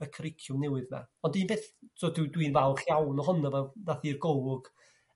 Y cwricwlwm newydd 'na, ond un beth... So dwi dwi'n falch iawn ohono fo dda'th i'r golwg